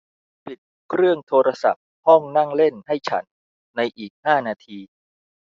ปิดเครื่องโทรศัพท์ห้องนั่งเล่นให้ฉันในอีกห้านาที